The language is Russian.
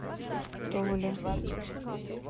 толе